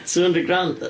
Two hundred grand!